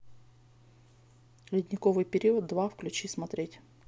ледниковый период два включи смотреть